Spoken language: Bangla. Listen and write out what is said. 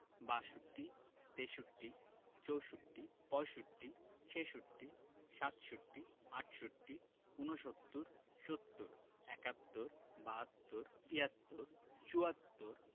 ৬২ বাষট্টি ৬৩ তেষট্টি ৬৪ চৌষট্টি ৬৫ পয়ষট্টি ৬৬ ছেষট্টি ৬৭ সাতষট্টি ৬৮ আটষট্টি ৬৯ ঊনসত্তর ৭০ সত্তর ৭১ একাত্তর ৭২ বাহাত্তর ৭৩ তিয়াত্তর ৭৪ চুয়াত্তর